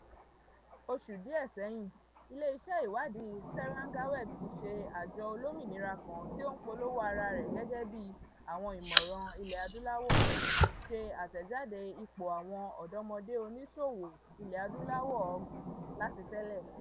Oṣù díẹ̀ sẹ́yìn, ilé iṣẹ́ ìwádìí Terangaweb, tíí ṣe àjọ olómìnira kan tí ó ń polówó ara rẹ̀ gẹ́gẹ́ bíi "Àwọn Ìmọ̀ràn Ilẹ̀ Adúláwò", ṣe àtẹ̀jáde ipò àwọn ọ̀dọ́mọdẹ́ oníṣòwò Ilẹ̀ Adúláwò 30 láti tẹ́lẹ̀.